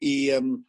i yym